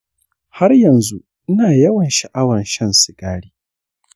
har yanzu ina yawan sha'a'war shan sigari.